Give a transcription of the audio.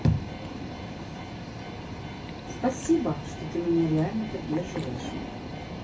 спасибо что ты меня рально поддерживаешь